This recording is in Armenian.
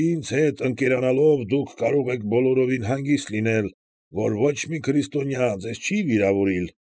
Ինձ հետ ընկերանալով, դուք կարող եք բոլորովին հանգիստ լինել, որ ոչ մի քրիստոնյա ձեզ չի վիրավորիլ։